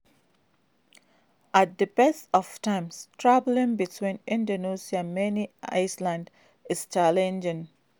At the best of times, traveling between Indonesia's many islands is challenging.